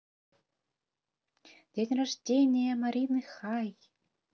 день рождения марина хай